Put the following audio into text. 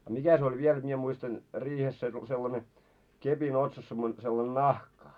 niin a mikä se oli vielä jotta minä muistan riihessä se sellainen kepin otsassa - sellainen nahka